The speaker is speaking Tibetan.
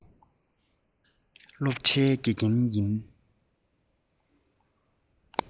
སློབ གྲྭའི དགེ རྒན ཡིན